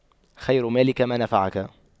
خير مالك ما نفعك